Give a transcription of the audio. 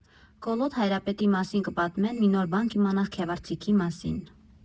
Կոլոտ Հայրապետի մասին կպոտմեն, մի նոր բան կիմանաս քյավառցիքի մասին։